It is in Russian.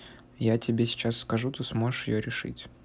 я тебе сейчас скажу ты сможешь ее решить